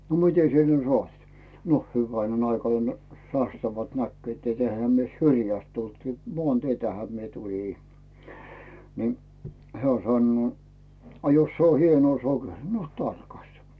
no miten sinä ne sait no hyvänen aikainen sastavalta näkivät että eihän me syrjästä tultu maanteitähän minä tulin niin hän sanoo a jos se on hienoa sokeria no tarkasta